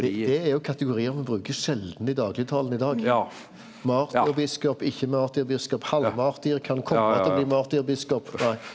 det det er jo kategoriar me brukar sjeldan i daglegtalen i dag, martyrbiskop, ikkje martyrbiskop, halvmartyr, kan komma til å bli martyrbiskop.